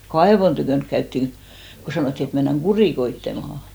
kaivon tykönä käytiin kun sanottiin että mennään kurikoitsemaan